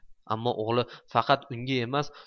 ammo o'g'li faqat unga emas